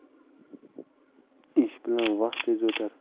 ish bilan vaqt tez o'tar